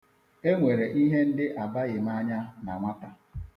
E nwere ihe ndị abaghị m anya na nwata.